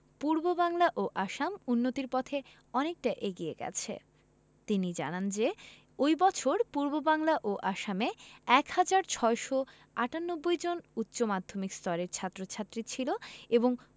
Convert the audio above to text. পূর্ববাংলা ও আসাম উন্নতির পথে অনেকটা এগিয়ে গেছে তিনি জানান যে ওই বছর পূর্ববাংলা ও আসামে ১ হাজার ৬৯৮ জন উচ্চ মাধ্যমিক স্তরের ছাত্র ছাত্রী ছিল এবং